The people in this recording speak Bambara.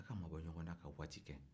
a ka aw mabɔ ɲɔgɔnna ka waati kɛ